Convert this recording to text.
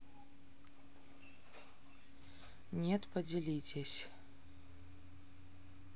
нет поделитесь